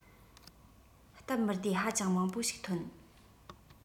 སྟབས མི བདེ ཧ ཅང མང པོ ཞིག ཐོན